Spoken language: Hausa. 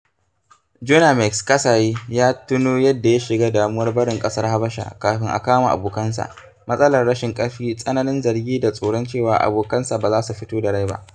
Jomaneɗ Kasaye ya tuno yadda ya shiga damuwar barin ƙasar Habasha kafin a kama abokansa - matsalar rashin ƙarfi - tsananin zargi da tsoron cewa abokansa ba za su fito da rai ba.